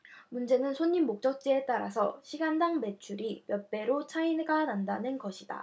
문제는 손님 목적지에 따라서 시간당 매출이 몇 배로 차이가 난다는 것이다